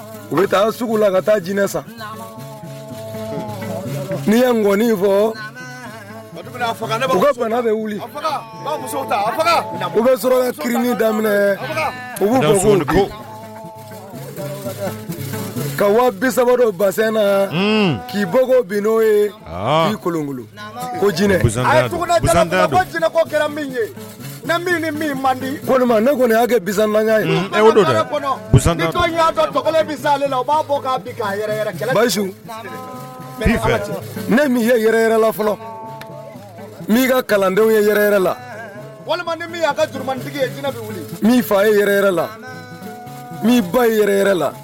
U bɛ taa sugu la ka taa jinɛ sa n'i ye ŋɔni fɔ wuli u bɛ sɔrɔ ki daminɛ u ko wa bisa ba na k'i bɔ ko bin n'o ye kolon ko jinɛ kɛra ni man di ne kɔni y'a kɛ o b'a ne ye yɛrɛ la fɔlɔi ka kalandenw ye yɛrɛ la walima ka jurutigi ye jinɛi fa yɛrɛ lai ba la